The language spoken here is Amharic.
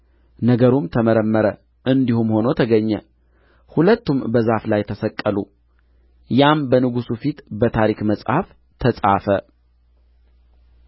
ነገሩም ተመረመረ እንዲህም ሆኖ ተገኘ ሁለቱም በዛፍ ላይ ተሰቀሉ ያም በንጉሡ ፊት በታሪክ መጽሐፍ ተጻፈ